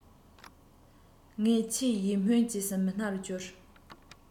ངའི ཆེས ཡིད སྨོན སྐྱེ སའི མི སྣ རུ གྱུར